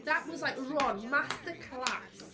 That was like, Ron, masterclass.